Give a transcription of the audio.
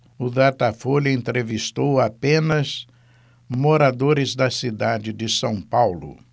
o datafolha entrevistou apenas moradores da cidade de são paulo